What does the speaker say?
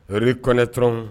Ri kɔnɛ dɔrɔnw